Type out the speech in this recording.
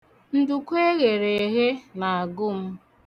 Nduku eghere eghe na-agụ m.